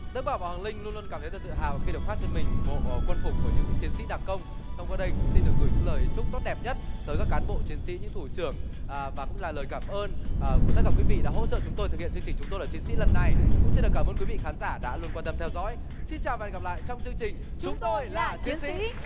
đức bảo và hoàng linh luôn cảm thấy rất tự hào khi được khoác trên mình bộ quân phục của những chiến sĩ đặc công thông qua đây xin được gửi những lời chúc tốt đẹp nhất tới các cán bộ chiến sĩ thủ trưởng và cũng là lời cảm ơn ờ của tất cả quý vị đã hỗ trợ chúng tôi thực hiện chương trình chúng tôi là chiến sĩ lần này cũng xin được cảm ơn quý vị khán giả đã luôn quan tâm theo dõi xin chào và hẹn gặp lại trong chương trình chúng tôi là tiến sĩ